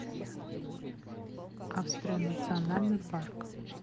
австрия национальный парк